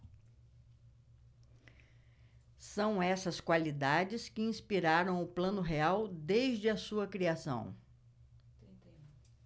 são essas qualidades que inspiraram o plano real desde a sua criação